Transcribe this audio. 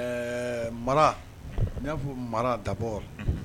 Mara i y'a fɔ mara dabɔ